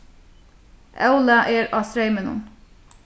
ólag er á streyminum